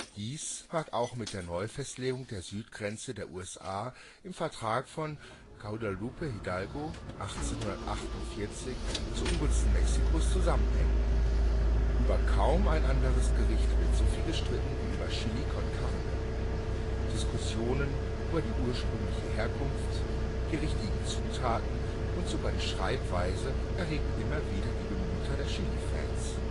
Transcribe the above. Dies mag auch mit der Neufestlegung der Südgrenze der USA im Vertrag von Guadalupe Hidalgo 1848 zu Ungunsten Mexikos zusammenhängen. Über kaum ein anderes Gericht wird so viel gestritten wie über Chili con Carne. Diskussionen über die ursprüngliche Herkunft, die richtigen Zutaten und sogar die Schreibweise erregen immer wieder die Gemüter der Chilifans